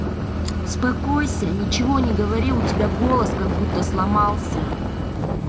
успокойся ничего не говори у тебя голос как будто сломался